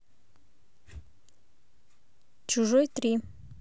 чужой три